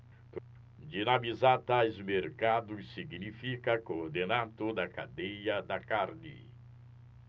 dinamizar tais mercados significa coordenar toda a cadeia da carne